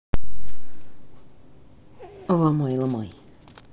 ломай ломай